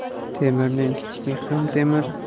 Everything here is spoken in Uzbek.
temirning kichigi ham temir